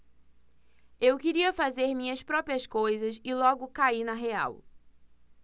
eu queria fazer minhas próprias coisas e logo caí na real